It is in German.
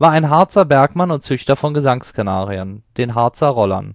war ein Harzer Bergmann und Züchter von Gesangskanarien, den „ Harzer Rollern